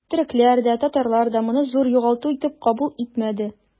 Төрекләр дә, татарлар да моны зур югалту итеп кабул итмәде.